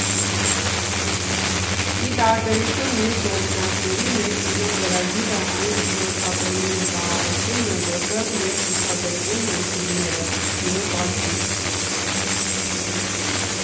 Ի տարբերություն մյուս օրինակների, ՄերԿինո ծրագիրը այն կինոթատրոնի մտահաղացումն է, որտեղ և ցուցադրվում են ֆիլմերը՝ ԿինոՊարկի։